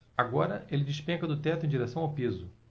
agora ele despenca do teto em direção ao piso